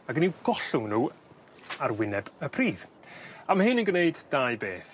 Ag yn i'w gollwng n'w ar wyneb y pridd a ma' hyn yn gwneud dau beth